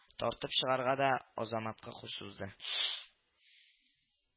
Тартып чыгарга да азаматка ку сузды